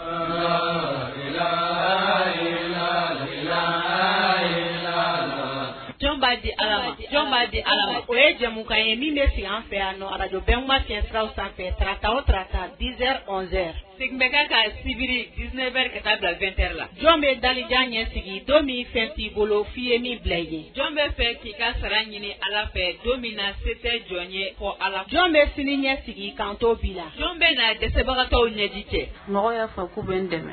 A di ala o ye jamumu ka ye min bɛ si an fɛ a araj bɛ ka cɛ siraw sanfɛ tata tata diz fɛ sigi bɛ ka sibiri disinɛ bɛ ka taa la2te la jɔn bɛ dajan ɲɛsigi don min fɛn k'i bolo f'i ye ni bila yen jɔn bɛ fɛ k'i ka sara ɲini ala fɛ don min na sesɛ jɔn ye kɔ a la jɔn bɛ sini ɲɛsigi kan to bi la jɔn bɛ na dɛsɛbagatɔw ɲɛdi cɛ mɔgɔ y'a fɔ ku bɛ dɛmɛ